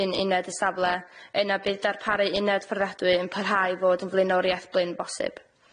un uned y safle yna bydd darparu uned fforddiadwy yn parhau i fod yn flaenorieth blin bosib.